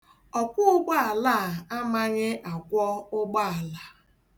Ọkwọụgbaala a amaghị akwọ ụgbọala.